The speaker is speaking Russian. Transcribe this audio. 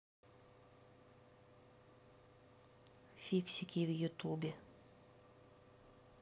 фиксики в ютубе